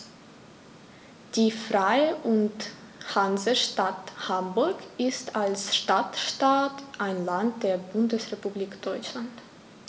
Die Freie und Hansestadt Hamburg ist als Stadtstaat ein Land der Bundesrepublik Deutschland.